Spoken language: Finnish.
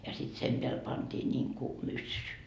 ja sitten sen päälle pantiin niin kuin myssy